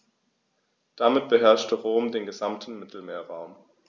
Damit beherrschte Rom den gesamten Mittelmeerraum.